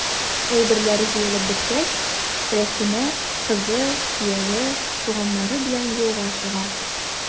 Әйберләр җыелып беткәч, Рәсимә, кызы, кияве, туганнары белән юлга чыга.